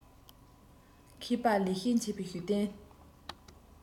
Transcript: མཁས པ ལེགས བཤད འཆད པའི ཞུ རྟེན